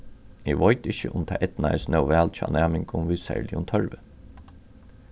eg veit ikki um tað eydnaðist nóg væl at hjálpa næmingum við serligum tørvi